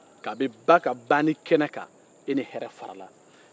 ka bi ba ka banni kɛnɛ kan e ni hɛɛrɛ farala